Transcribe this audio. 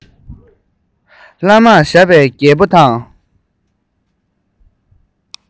ལྷག མ བཞག པས རྒད པོ དང